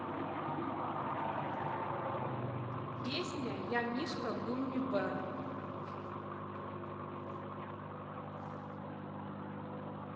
песня я мишка гумми бер